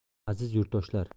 aziz yurtdoshlar